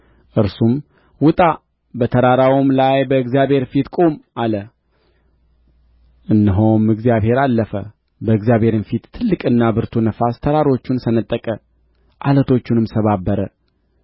እርሱም ውጣ በተራራውም ላይ በእግዚአብሔር ፊት ቁም አለ እነሆም እግዚአብሔር አለፈ በእግዚአብሔርም ፊት ትልቅና ብርቱ ነፋስ ተራሮቹን ሰነጠቀ ዓለቶቹንም ሰባበረ